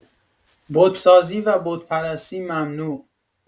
بت سازی و بت‌پرستی ممنوع